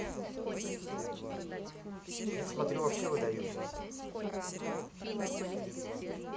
я смотрю вообще выдающихся